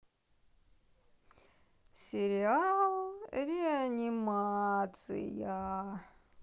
сериал реанимация